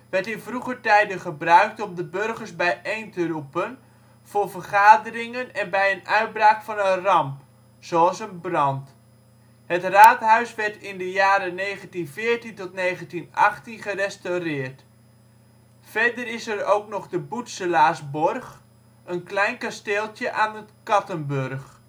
werd in vroeger tijden gebruikt om de burgers bijeen te roepen voor vergaderingen en bij een uitbraak van een ramp, zoals een brand. Het raadhuis werd in de jaren 1914-1918 gerestaureerd. Verder is er ook nog de Boetselaersborg, een klein kasteeltje aan het Kattenburg